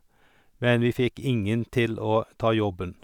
Men vi fikk ingen til å ta jobben.